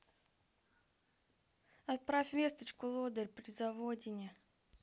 отправь весточку лодырь при заводине